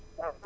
waaw